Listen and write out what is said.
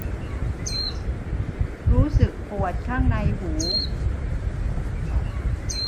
รู้สึกปวดข้างในหู